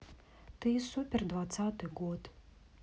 ты супер двадцатый год